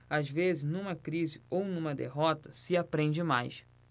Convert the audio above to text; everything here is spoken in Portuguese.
às vezes numa crise ou numa derrota se aprende mais